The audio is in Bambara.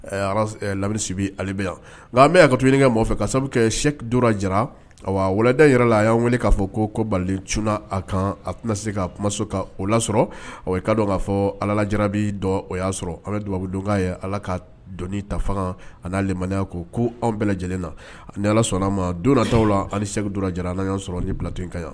Ara laminisibi ale bɛ yan nka bɛ y' ka to ɲini nɔfɛ ka sabu kɛ sɛ jara waleda yɛrɛ la y'a wele k'a fɔ ko ko bali c a kan a tɛna se ka kumaso ka o lasɔrɔ o ka dɔn k'a fɔ ala jara bɛ o y'a sɔrɔ an bɛ dubabubu don' ye ala ka dɔnni ta fanga ani'a aleya ko ko anw bɛɛ lajɛlen na ani ala sɔnna a ma don' la ani segu jara n' y sɔrɔ ni bila tun in ka yan